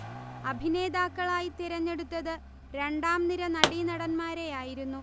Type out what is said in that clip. അഭിനേതാക്കളായി തിരഞ്ഞെടുത്തത് രണ്ടാംനിര നടീനടൻമാരെയായിരുന്നു